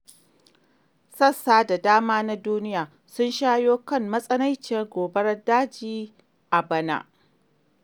Sassa da dama na duniya sun shawo kan matsananciyar gobarar daji a bana.